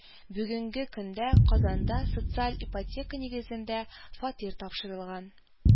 Бүгенге көндә Казанда социаль ипотека нигезендә, фатир тапшырылган